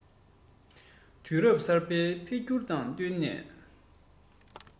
དུས རབ གསར པའི འཕེལ འགྱུར དང བསྟུན ནས